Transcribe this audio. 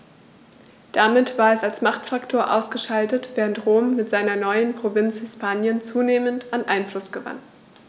Damit war es als Machtfaktor ausgeschaltet, während Rom mit seiner neuen Provinz Hispanien zunehmend an Einfluss gewann.